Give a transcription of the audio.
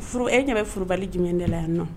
Furu e ɲɛmɛbali jumɛn de la yan nɔ